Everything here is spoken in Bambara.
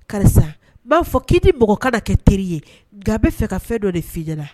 Karisa b'a fɔ k'i di mɔgɔ ka da kɛ teri ye ga bɛ fɛ ka fɛn dɔ de fiɲɛnana